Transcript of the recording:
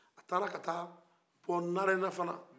a taara ka taa ɛ narena fana